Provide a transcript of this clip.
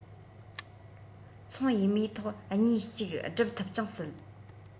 ཚོང ཡིས མོའི ཐོག གཉིས གཅིག བསྒྲུབ ཐུབ ཀྱང སྲིད